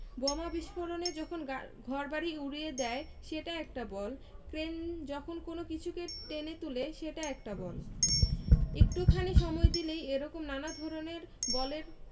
বোমা বিস্ফোরণে যখন ঘরবাড়ি উড়িয়ে দেয় সেটা একটা বল ক্রেন যখন কোনো কিছুকে টেনে তুলে সেটা একটা বল একটুখানি সময় দিলেই এ রকম নানা ধরনের বলের